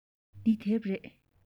འདི དེབ རེད